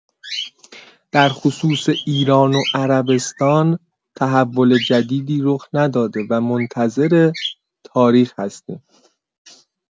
در خصوص ایران و عربستان تحول جدیدی رخ نداده و منتظر تاریخ هستیم.